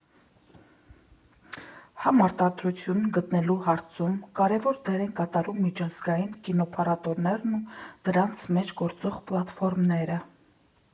Համարտադրություն գտնելու հարցում կարևոր դեր են կատարում միջազգային կինոփառատոներն ու դրանց մեջ գործող պլատֆորմները։